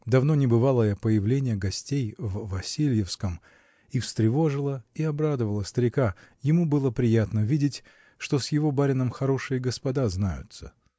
Давно не бывалое появление гостей в Васильевском и встревожило и обрадовало старика: ему было приятно видеть, что с его барином хорошие господа знаются.